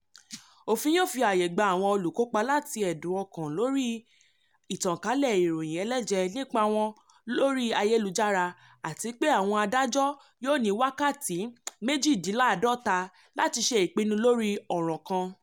Òfin yóò fi àyè gba àwọn olùkópa láti ẹ̀dùn ọkàn hàn lórí ìtànkálẹ̀ ìròyìn ẹlẹ́jẹ̀ nípa wọn lórí ayélujára àti pé àwọn adájọ́ yóò ní wákàtí 48 láti ṣe ìpinnu lórí ọ̀ràn kan.